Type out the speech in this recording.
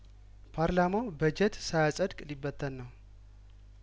ፓርላማው በጀት ሳያጸድቅ ሊበተን ነው